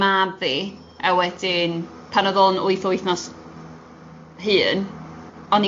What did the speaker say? mab fi, a wedyn pan oedd o'n wyth wythnos hŷn, o'n